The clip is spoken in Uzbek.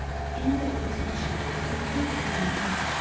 endi og'zi oshga yetganda yiqilarkan